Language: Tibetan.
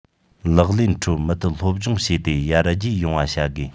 ལག ལེན ཁྲོད མུ མཐུད སློབ སྦྱོང བྱས ཏེ ཡར རྒྱས ཡོང བ བྱ དགོས